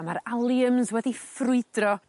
a ma'r aliums wedi ffrwydro